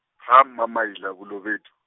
gaMamaila Bolobedu.